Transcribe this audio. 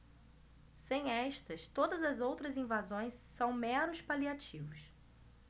sem estas todas as outras invasões são meros paliativos